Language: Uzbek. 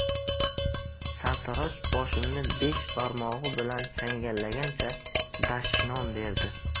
sartarosh boshimni besh barmog'i bilan changallagancha dashnom berdi